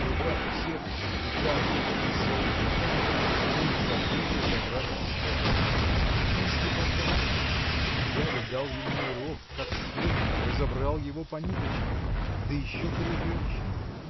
перебрав всех и каждого из своих знакомых он забыл разобрать себя! Какая слепота! И дядя дал ему урок как школьнику разобрал его по ниточке да еще при женщине